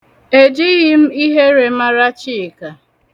Ejighi m ihere mara Chika.